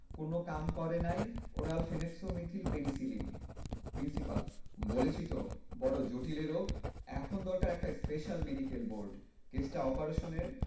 কোন কাম করে নাই ওরাল ফেনোক্সিমেথিল পেনিসিলিন প্রিন্সিপাল বলেছি তো বড় জটিল এ রোগ এখন দরকার একটা স্পেশাল মেডিকেল বোর্ড কেসটা অপারেশনের